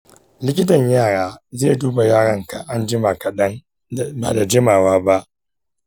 a pediatrician will review your child later today.